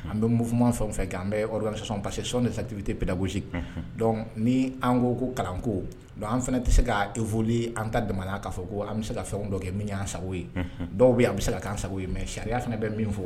An bɛ munma fɛn fɛ kɛ an sɔsɔ pa sɔ de satibi tɛp gosi ni an ko ko kalanko an fana tɛ se k' e an ka daya kaa fɔ ko an bɛ se ka fɛn dɔ kɛ min y'an sago ye dɔw bɛ an bɛ se ka' sago ye mɛ sariya fana bɛ min fɔ